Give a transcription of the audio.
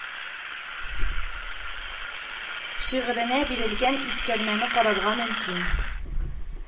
Шигыренә бирелгән искәрмәне карарга мөмкин